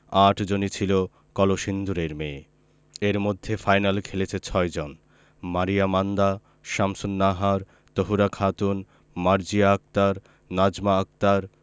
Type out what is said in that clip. ৮ জনই ছিল কলসিন্দুরের মেয়ে এর মধ্যে ফাইনালে খেলেছে ৬ জন মারিয়া মান্দা শামসুন্নাহার তহুরা খাতুন মার্জিয়া আক্তার নাজমা আক্তার